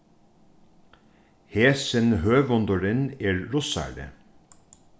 hesin høvundurin er russari